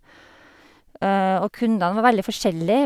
Og kundene var veldig forskjellig.